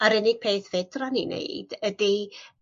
yr unig peth fedran ni neud ydi